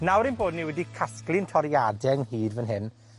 Nawr ein bod ni wedi casglu'n toriade ynghyd fan hyn,